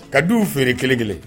Ka duw feere kelen kelen